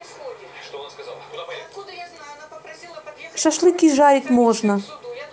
шашлыки жарить можно